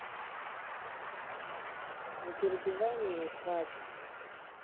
не перебивай меня и хватит